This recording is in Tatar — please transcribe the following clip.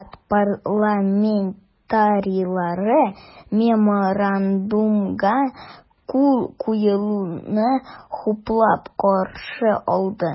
Штат парламентарийлары Меморандумга кул куелуны хуплап каршы алды.